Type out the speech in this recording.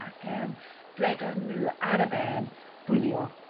Ac yym dywedon n'w ar y ben bwlio